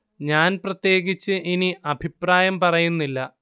ഞാൻ പ്രത്യേകിച്ച് ഇനി അഭിപ്രായം പറയുന്നില്ല